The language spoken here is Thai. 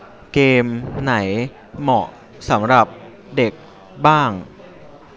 เกมไหนเหมาะสำหรับเด็กบ้าง